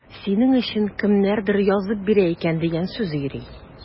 Синең өчен кемнәрдер язып бирә икән дигән сүз йөри.